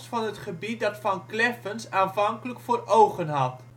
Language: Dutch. Kleffens aanvankelijk voor ogen had